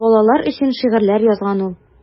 Балалар өчен шигырьләр язган ул.